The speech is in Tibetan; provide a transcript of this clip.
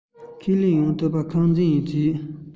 ཁས ལེན ཡང ཐུབ ཁྱོད དང ཁ འཛིང བྱས